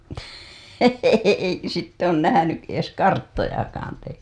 eikö sitten ole nähnyt edes karttojakaan te